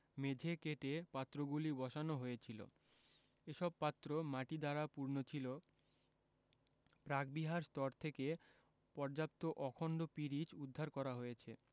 মেঝে কেটে পাত্রগুলি বসানো হয়েছিল এসব পাত্র মাটি দ্বারা পূর্ণ ছিল প্রাকবিহার স্তর থেকে পর্যাপ্ত অখন্ড পিরিচ উদ্ধার করা হয়েছে